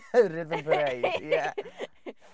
Rhythm Parade ie.